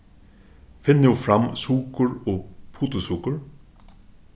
finn nú fram sukur og putursukur